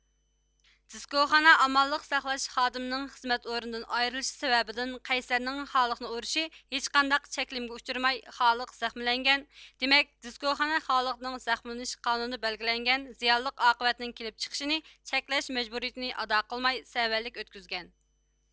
دېسكوخانا ئامانلىق ساقلاش خادىمىنىڭ خىزمەت ئورنىدىن ئايرىلىشى سەۋەبىدىن قەيسەرنىڭ خالىقنى ئۇرۇشى ھېچقانداق چەكلىمىگە ئۇچرىماي خالىق زەخمىلەنگەن دىمەك دېسكوخانا خالىقنىڭ زەخمىلىنىشى قانۇندا بەلگىلەنگەن زىيانلىق ئاقىۋەتنىڭ كىلىپ چىقىشىنى چەكلەش مەجبۇرىيتىنى ئادا قىلماي سەۋەنلىك ئۆتكۈزگەن